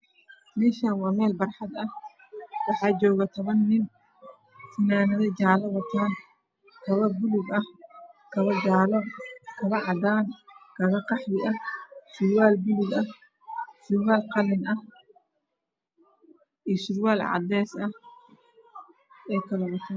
Mashan waa mel banan ah waxaa joogo tumal nin dharka eey watan waa jale iyo baluug iyo qalin cades waxey watan kobo kalar kode waa baluug iyo jale iyo cadan iyo qahwi